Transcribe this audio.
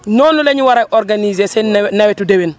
noonu la ñu war a organiser seen nawe nawetu déwén